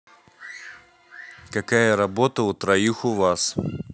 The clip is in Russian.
какая работа у троих у вас